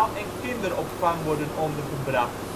en kinderopvang worden ondergebracht